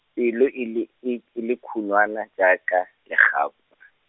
pelo e le e, e le khunwana jaaka, legap- .